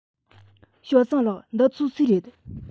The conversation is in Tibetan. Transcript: ཞའོ སུང ལགས འདི ཚོ སུའི རེད